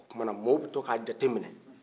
o kumana mɔw bɛ to kaa jateminɛ